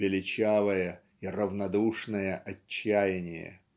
величавое и равнодушное отчаяние".